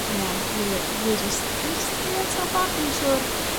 Ia we- we'r res- restraint mewn ffor dwi'n yn siŵr.